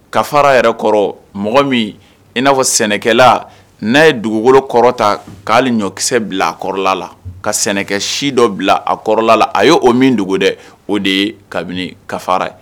Kafara yɛrɛ kɔrɔ mɔgɔ min in n'afɔ fɔ sɛnɛkɛla n ye dugukolo kɔrɔ ta k'a ɲɔkisɛ bila a kɔrɔla la ka sɛnɛkɛ si dɔ bila a kɔrɔla la a ye oo min dugu dɛ o de ye kabini kafa